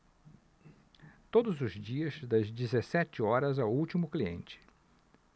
todos os dias das dezessete horas ao último cliente